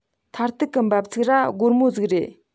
མཐར ཐུག གི འབབ ཚིགས ར སྒོར མོ ཟིག རེད